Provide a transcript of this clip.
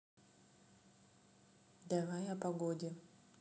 давай о погоде